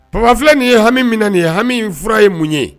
Babaffi nin ye hami minɛ nin ye hami fura ye mun ye